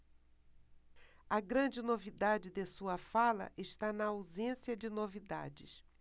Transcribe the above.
a grande novidade de sua fala está na ausência de novidades